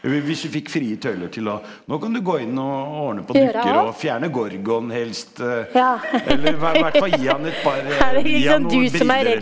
v hvis du fikk frie tøyler til å nå kan du gå inn å å ordne på dukker og fjerne Gorgon helst, eller hvert fall gi han et par gi han noe briller.